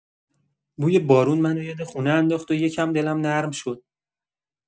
بوی بارون منو یاد خونه انداخت و یکم دلم نرم شد.